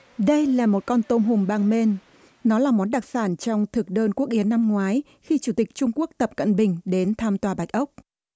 đây là một con tôm hùm bang mên nó là món đặc sản trong thực đơn quốc yến năm ngoái khi chủ tịch trung quốc tập cận bình đến thăm tòa bạch ốc